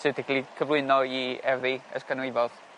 Sy 'di g'i cyflwyno i erddi es canrifodd.